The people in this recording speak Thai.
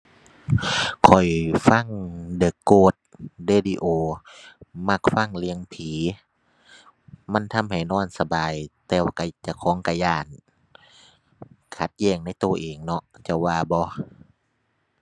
ข้อยฟัง The Ghost Radio มักฟังเรื่องผี มันทำให้นอนสบาย แต่ เจ้าของก็ย้าน ขัดแย้งในก็เองเนาะ เจ้าว่าบ่